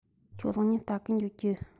ཁྱོད གློག བརྙན ལྟ གི འགྱོ རྒྱུ